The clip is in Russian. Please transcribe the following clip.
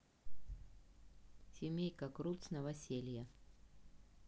семейка крудс новоселье